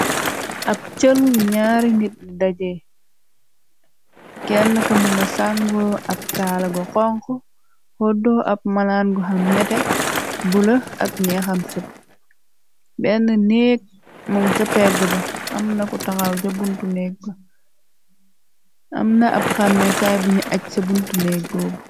Ab cël gu ñaari nit di dajee keneka mu nga sangoo ab kaala gu xonxo hoddo ab malaan gu ham neteh bula ak ñyexam sëb bene neeg mum ca pegg ba amna ku taxaw sa buntu neeg ba amna ab xammekaay buñu aj sa buntu neeg bob.